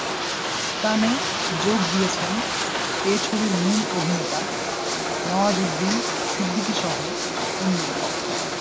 কানে যোগ দিয়েছেন এ ছবির মূল অভিনেতা নওয়াজুদ্দিন সিদ্দিকীসহ অন্যরা